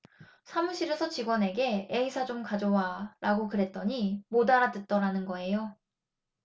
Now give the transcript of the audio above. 사무실에서 직원에게 에이사 좀 가져와라고 그랬더니 못 알아듣더라는 거예요